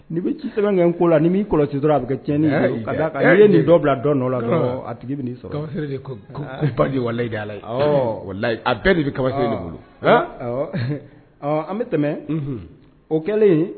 Ni bɛ ci sɛbɛn kɛ ko la ni'i kɔlɔsi tora a bɛ kɛ tiɲɛn ye nin dɔ bila dɔ dɔ la a tigi sɔrɔ baji wayi ala ye a bɛɛ de bɛ kaba bolo an bɛ tɛmɛ o kɛlen